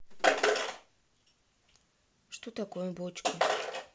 что такое бочка